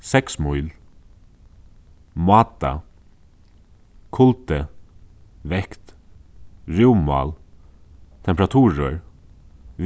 seks míl máta kuldi vekt rúmmál temperaturur